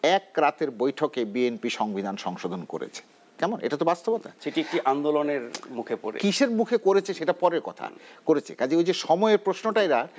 সালে এক রাতের বৈঠকে বিএনপি সংবিধান সংশোধন করেছে কেমন এটা তো বাস্তবতা সেটি একটি আন্দোলনের মুখে পড়ে কীসের মুখে করেছে সেটা পরের কথা করেছে কাজেই ওই যে সময়ের প্রশ্নটার এরা